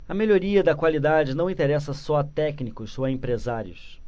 a melhoria da qualidade não interessa só a técnicos ou empresários